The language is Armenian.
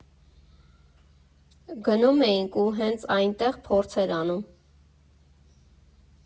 Գնում էինք ու հենց այնտեղ փորձեր անում։